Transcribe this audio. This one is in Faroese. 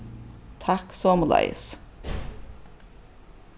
takk somuleiðis